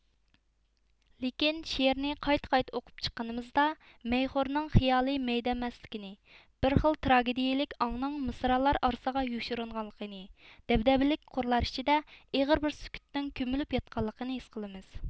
لېكىن شېئىرنى قايتا قايتا ئوقۇپ چىققىنىمىزدا مەيخورنىڭ خىيالى مەيدە ئەمەس لىكىنى بىر خىل تراگېدىيىلىك ئاڭنىڭ مىسرالار ئارىسىغا يوشۇرۇنغانلىقىنى دەبدەبىلىك قۇرلار ئىچىدە ئېغىر بىر سۈكۈتنىڭ كۆمۈلۈپ ياتقانلىقىنى ھېس قىلىمىز